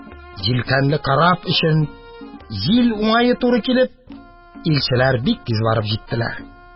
Җилкәнле кораб өчен җил уңае туры килеп, илчеләр бик тиз барып җиттеләр